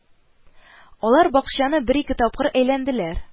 Алар бакчаны бер-ике тапкыр әйләнделәр